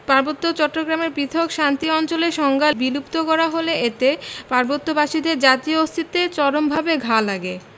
পার্বত্য চট্টগ্রামের পৃথক শান্তি অঞ্চলের সংজ্ঞা বিলুপ্ত করা হলে এতে পার্বত্যবাসীদের জাতীয় অস্তিত্বে চরমভাবে ঘা লাগে